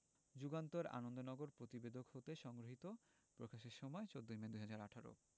যুগান্তর এর আনন্দনগর প্রতিবেদক হতে সংগৃহীত প্রকাশের সময় ১৪ মে ২০১৮